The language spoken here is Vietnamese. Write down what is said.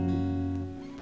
cao